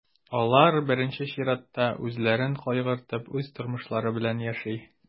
Алар, беренче чиратта, үзләрен кайгыртып, үз тормышлары белән яши.